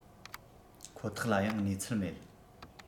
ཁོ ཐག ལ ཡང གནས ཚུལ མེད